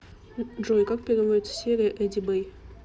джой как переводится серия эдди бей